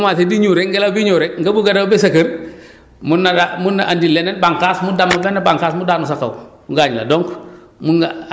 presque bala muy ñëw fekk commencé di ñëw rek ngelaw bi ñëw rek nga bugg a daw ba sa kër mun na la mun na andi leneen bànqaas mu damm nga ne bànqaas bu daanu sa kaw gaañ la